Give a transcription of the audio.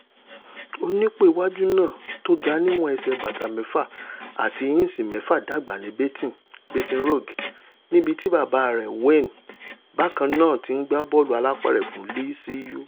Onípo-iwáju náà tóga níwọ̀n ẹsẹ̀ bàtà mẹ́fà àti íǹsì mẹ́fà dàgbà ní Baton Rouge, nibiti bàbá rẹ̀, Wayne, bákannáà ti gbá bọ́ọ̀lù alápẹ̀rẹ̀ fún LSU.